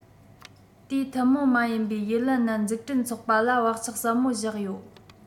དེའི ཐུན མོང མ ཡིན པའི ཡི ལིན ནན འཛུགས སྐྲུན ཚོགས པ ལ བག ཆགས ཟབ མོ བཞག ཡོད